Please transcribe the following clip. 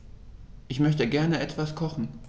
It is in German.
Ich möchte gerne etwas kochen.